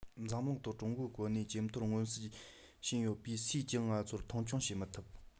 འཛམ གླིང ཐོག ཀྲུང གོའི གོ གནས ཇེ མཐོར མངོན གསལ ཕྱིན ཡོད པས སུས ཀྱང ང ཚོར མཐོང ཆུང བྱེད མི ཐུབ